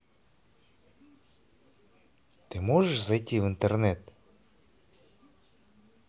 ты можешь зайти в интернет